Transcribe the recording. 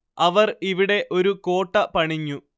അവര്‍ ഇവിടെ ഒരു കോട്ട പണിഞ്ഞു